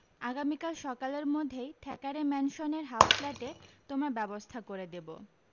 আগামীকাল সকালের মধ্যেই থ্যাকারে ম্যানসনের হাফ ফ্ল্যাটে তোমার ব্যবস্থা করে দেবো